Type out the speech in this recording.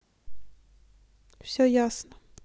все ясно